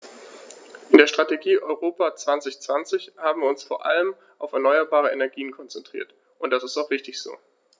In der Strategie Europa 2020 haben wir uns vor allem auf erneuerbare Energien konzentriert, und das ist auch richtig so.